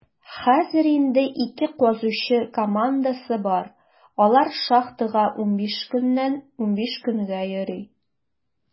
Хәзер аның инде ике казучы командасы бар; алар шахтага 15 көннән 15 көнгә йөри.